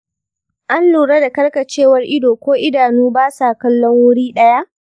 an lura da karkacewar ido ko idanun ba sa kallon wuri ɗaya?